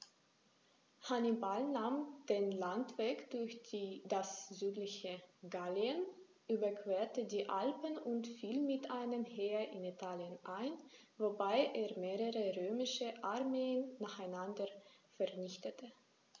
Hannibal nahm den Landweg durch das südliche Gallien, überquerte die Alpen und fiel mit einem Heer in Italien ein, wobei er mehrere römische Armeen nacheinander vernichtete.